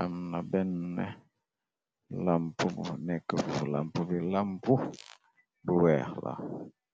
am na benn lamp bu nekk bu lamp bi lamp bu weex la.